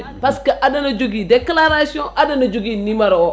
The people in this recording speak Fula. par ce que aɗana jogui déclaration aɗana jogui numéro o